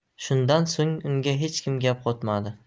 shundan so'ng unga hech kim gap qotmadi